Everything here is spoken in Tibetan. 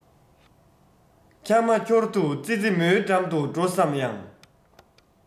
ཁྱར མ ཁྱོར དུ ཙི ཙི མོའི འགྲམ དུ འགྲོ བསམ ཡང